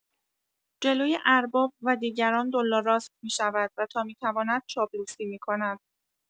جلوی ارباب و دیگران دولاراست می‌شود و تا می‌تواند چاپلوسی می‌کند.